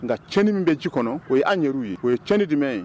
Nga cɛni mun bɛ ji kɔnɔ , o ye an yeru ye. O ye cɛni jumɛn ye?.